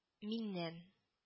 Миннән…